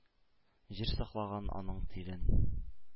Җир саклаган аның тирен.